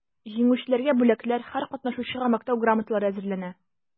Җиңүчеләргә бүләкләр, һәр катнашучыга мактау грамоталары әзерләнә.